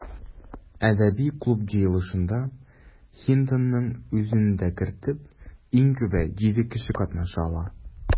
Әдәби клуб җыелышында, Хинтонның үзен дә кертеп, иң күбе җиде кеше катнаша ала.